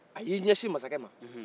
a y'i ɲɛchi masakɛ ma